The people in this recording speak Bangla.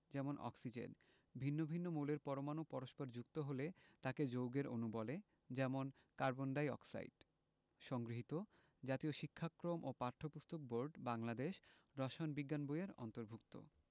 যেমন অক্সিজেন ভিন্ন ভিন্ন মৌলের পরমাণু পরস্পর যুক্ত হলে তাকে যৌগের অণু বলে যেমন কার্বন ডাই অক্সাইড সংগৃহীত জাতীয় শিক্ষাক্রম ও পাঠ্যপুস্তক বোর্ড বাংলাদেশ রসায়ন বিজ্ঞান বই এর অন্তর্ভুক্ত